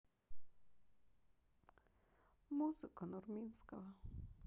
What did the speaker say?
музыка нурминского